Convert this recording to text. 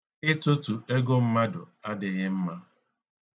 Ịtụtụ ego mmadụ adịghị mma.